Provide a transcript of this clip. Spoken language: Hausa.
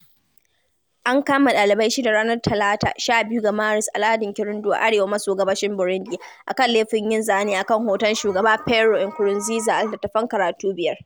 An kama ɗalibai shida ranar Talata, 12 ga Maris a lardin Kirundo a arewa maso gabashin Burundi a kan laifin yin zane a kan hoton shugaba Pierre Nkurunziza a littattafan karatu biyar.